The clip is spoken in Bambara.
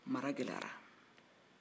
mara gɛlɛyara